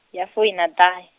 ya fuiṋa ṱahe.